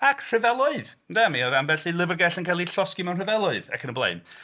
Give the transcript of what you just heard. Ac rhyfeloedd, ynde. Mi oedd ambell i lyfrgell yn cael ei llosgi mewn rhyfeloedd, ac yn y blaen.